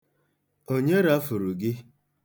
Onye rafuru gị?